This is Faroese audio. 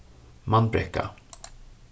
mannbrekka